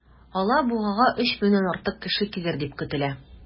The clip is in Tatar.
Алабугага 3 меңнән артык кеше килер дип көтелә.